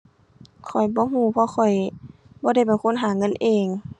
ข้อยบ่รู้ เพราะข้อยบ่ได้เป็นคนหาเงินเอง